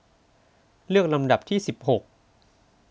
เลือกลำดับที่สิบหก